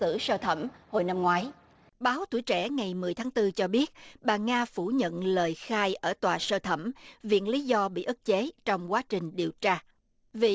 xử sơ thẩm hồi năm ngoái báo tuổi trẻ ngày mười tháng tư cho biết bà nga phủ nhận lời khai ở tòa sơ thẩm viện lý do bị ức chế trong quá trình điều tra vị